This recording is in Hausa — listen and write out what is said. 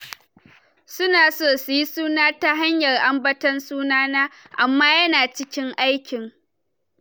Su na so su yi suna ta hanyar ambaton suna na, amma yana cikin aikin.